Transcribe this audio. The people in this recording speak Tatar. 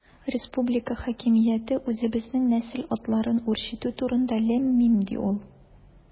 Республика хакимияте үзебезнең нәсел атларын үрчетү турында– ләм-мим, ди ул.